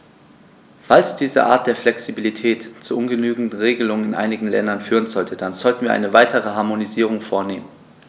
Falls diese Art der Flexibilität zu ungenügenden Regelungen in einigen Ländern führen sollte, dann sollten wir eine weitere Harmonisierung vornehmen.